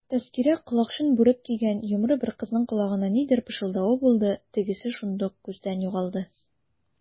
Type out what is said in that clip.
Тәзкирә колакчын бүрек кигән йомры бер кызның колагына нидер пышылдавы булды, тегесе шундук күздән югалды.